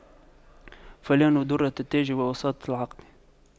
فلان دُرَّةُ التاج وواسطة العقد